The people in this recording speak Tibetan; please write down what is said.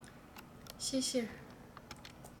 ཕྱི ཕྱིར